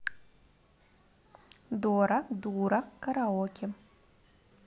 дора дура караоке